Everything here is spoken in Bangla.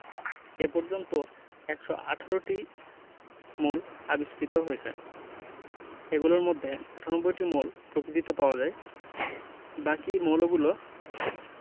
এ পর্যন্ত ১১৮টি মৌল আবিষ্কৃত হয়েছে এগুলোর মধ্যে ৯৮টি মৌল প্রকৃতিতে পাওয়া যায় বাকি মৌলগুলো